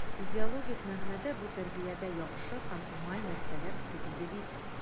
Идеологик мәгънәдә бу тәрбиядә яхшы һәм уңай нәрсәләр күп иде бит.